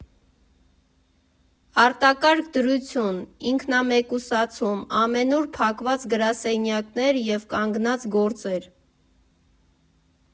Արտակարգ դրություն, ինքնամեկուսացում, ամենուր փակված գրասենյակներ և կանգնած գործեր։